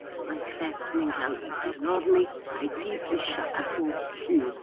Ma' ein crefft ni'n cael ei dilorni a'i dibrisio ar bob tu.